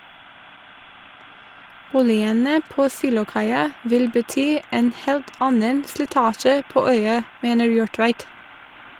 Boligene på Silokaia vil bety en helt annen slitasje på øya, mener Jortveit.